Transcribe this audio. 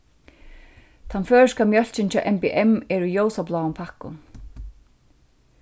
tann føroyska mjólkin hjá mbm er í ljósabláum pakkum